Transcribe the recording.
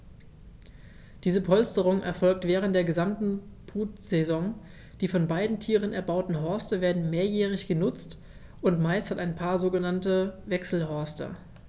Diese Polsterung erfolgt während der gesamten Brutsaison. Die von beiden Tieren erbauten Horste werden mehrjährig benutzt, und meist hat ein Paar mehrere sogenannte Wechselhorste.